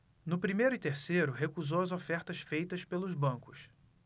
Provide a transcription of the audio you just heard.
no primeiro e terceiro recusou as ofertas feitas pelos bancos